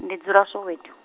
ndi dzula Soweto.